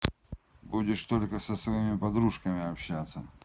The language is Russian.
будешь только со своими подружками общаться